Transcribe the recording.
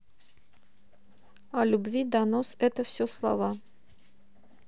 о любви донос это все слова